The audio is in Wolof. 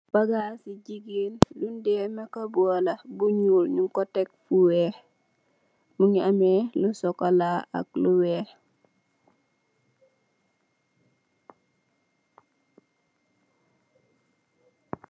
Bagass yu jigeen yun deh make up la bu nuul nyung ko teck fo weex mogi ameh lu chocola ak lu weex .